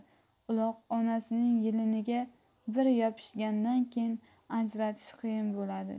uloq onasining yeliniga bir yopishgandan keyin ajratish qiyin bo'ladi